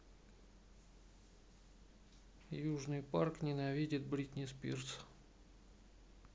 южный парк ненавидит бритни спирс